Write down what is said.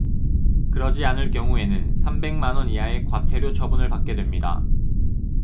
그러지 않을 경우에는 삼백 만 원 이하의 과태료 처분을 받게 됩니다